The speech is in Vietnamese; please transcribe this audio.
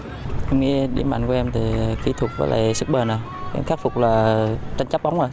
em nghĩ điểm mạnh của em thì kỹ thuật với sức bền ạ cái khắc phục là tranh chấp bóng